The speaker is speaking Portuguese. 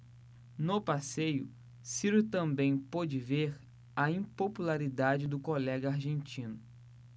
no passeio ciro também pôde ver a impopularidade do colega argentino